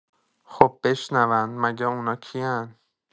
خب بشنون مگه اونا کین؟